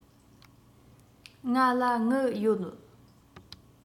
ང ལ དངུལ ཡོད